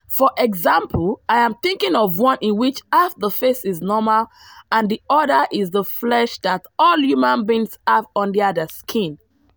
For example, I'm thinking of one in which half the face is normal and the other is the flesh that all human beings have under their skin.